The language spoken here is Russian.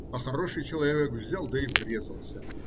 А хороший человек взял да и врезался.